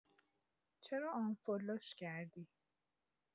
چرا آنفالوش کردی؟